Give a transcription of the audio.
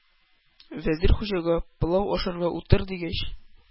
Вәзир Хуҗага, пылау ашарга утыр, дигәч,